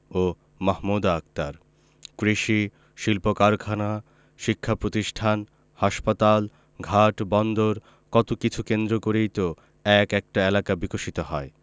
ও মাহমুদা আক্তার কৃষি শিল্পকারখানা শিক্ষাপ্রতিষ্ঠান হাসপাতাল ঘাট বন্দর কত কিছু কেন্দ্র করেই তো এক একটা এলাকা বিকশিত হয়